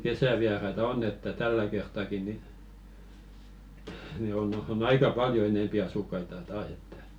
kesävieraita on että tällä kertaakin niin niin on on aika paljon enempi asukkaita taas että